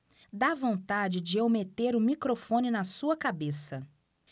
dá vontade de eu meter o microfone na sua cabeça